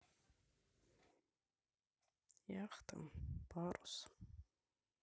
яхта парус